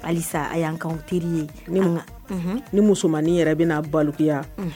Halisa a y' kɛ teri ye ni musomanmaninin yɛrɛ bɛna baloya